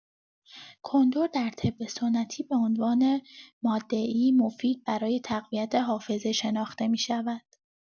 کندر در طب‌سنتی به عنوان ماده‌ای مفید برای تقویت حافظه شناخته می‌شود.